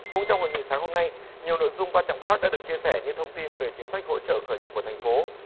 cũng trong hội nghị sáng hôm nay nhiều nội dung quan trọng khác đã được chia sẻ như thông tin về chính sách hỗ trợ khởi nghiệp của thành phố